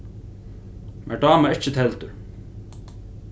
mær dámar ikki teldur